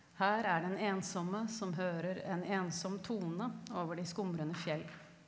her er den ensomme som hører en ensom tone over de skumrende fjell.